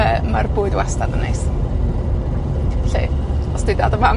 Yy, ma'r bwyd wastad yn neis. Felly, os 'di dad a fam